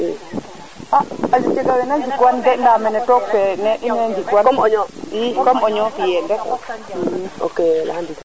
a xaƴa a jega wena njik wan de nda mene took fe ine njik wan comme oignon ke yiin